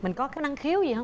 mình có cái năng khiếu gì hông